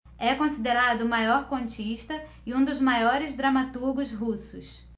é considerado o maior contista e um dos maiores dramaturgos russos